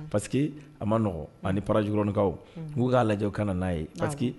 Parce que a ma nɔgɔn ani parajkinkaw n'u'a lajɛw ka na n'a ye parce